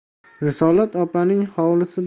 risolat opalarning hovlisi